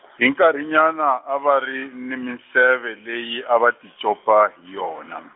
hi nkarhinyana a vari ni minseve leyi ava ti copa hi yona m-.